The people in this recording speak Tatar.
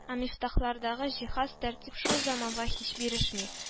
Ә мифтахлардагы җиһаз-тәртип шул заманга һич бирешми